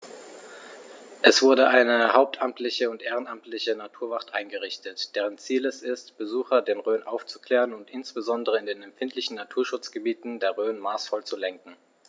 Es wurde eine hauptamtliche und ehrenamtliche Naturwacht eingerichtet, deren Ziel es ist, Besucher der Rhön aufzuklären und insbesondere in den empfindlichen Naturschutzgebieten der Rhön maßvoll zu lenken.